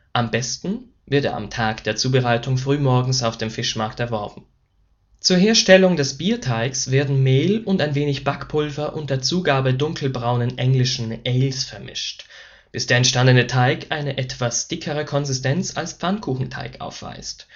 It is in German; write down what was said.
am besten wird er am Tag der Zubereitung frühmorgens auf dem Fischmarkt erworben. Zur Herstellung des Bierteigs werden Mehl und ein wenig Backpulver unter Zugabe dunkelbraunen englischen Ales vermischt, bis der entstehende Teig eine etwas dickere Konsistenz als Pfannkuchenteig aufweist